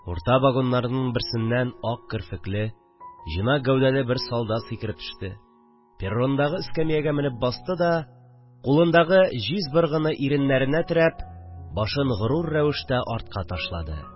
Урта вагоннарның берсеннән ак керфекле, җыйнак гәүдәле бер солдат сикереп төште, перрондагы эскәмиягә менеп басты да кулындагы җиз быргыны иреннәренә терәп, башын горур рәвештә артка ташлады